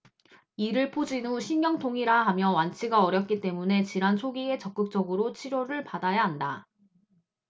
이를 포진 후 신경통이라 하며 완치가 어렵기 때문에 질환 초기에 적극적으로 치료를 받아야 한다